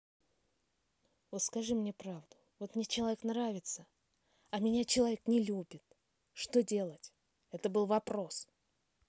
вот скажи мне правду вот мне человек нравится а меня человек не любит что делать это был вопрос